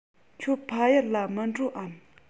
ཁྱོད ཕ ཡུལ ལ མི འགྲོ འམ